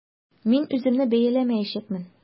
Мин үземне бәяләмәячәкмен.